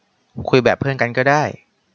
คุยแบบเพื่อนกันก็ได้